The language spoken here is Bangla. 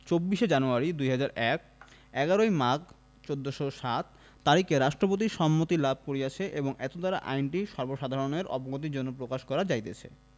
২৪শে জানুয়ারী ২০০১ ১১ই মাঘ ১৪০৭ তারিখে রাষ্ট্রপতির সম্মতি লাভ করিয়অছে এবং এতদ্বারা আইনটি সর্বসাধারণের অবগতির জন্য প্রকাশ করা যাইতেছে